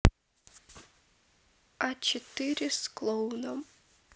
а четыре с клоуном